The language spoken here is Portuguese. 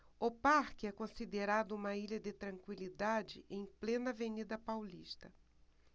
o parque é considerado uma ilha de tranquilidade em plena avenida paulista